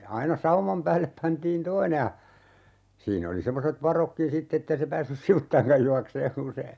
aina sauman päälle pantiin toinen ja siinä oli semmoiset varotkin sitten että ei se päässyt sivuttainkaan juoksemaan kun se